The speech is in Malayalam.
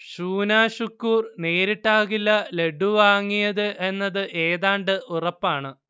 ഷൂനാ ഷുക്കൂർ നേരിട്ടാകില്ല ലഡ്ഡു വാങ്ങിയത് എന്നത് ഏതാണ്ട് ഉറപ്പാണ്